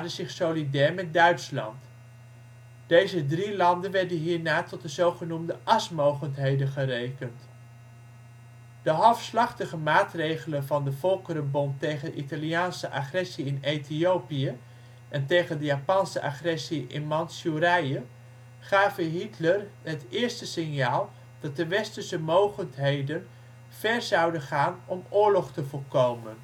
zich solidair met Duitsland. Deze drie landen werden hierna tot de zogenaamde asmogendheden gerekend. De halfslachtige maatregelen van de Volkerenbond tegen de Italiaanse agressie in Ethiopië en tegen de Japanse agressie in Mantsjoerije gaven Hitler het eerste signaal dat de Westerse mogendheden ver zouden gaan om oorlog te voorkomen